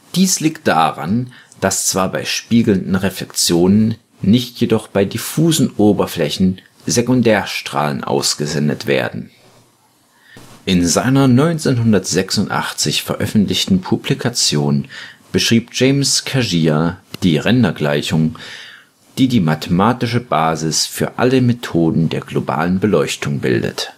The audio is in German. Dies liegt daran, dass zwar bei spiegelnden Reflexionen, nicht jedoch bei diffusen Oberflächen Sekundärstrahlen ausgesendet werden. In seiner 1986 veröffentlichten Publikation beschrieb James Kajiya die Rendergleichung, die die mathematische Basis für alle Methoden der globalen Beleuchtung bildet